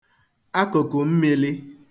akụ̀kụ̀ mmīlī